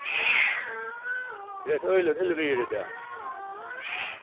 tað er eitt øgiligt illveður í dag